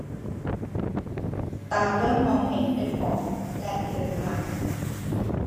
ตาเริ่มมองเห็นเป็นหมอกและเลือนลาง